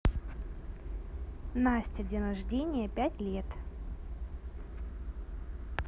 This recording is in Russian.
настя день рождения пять лет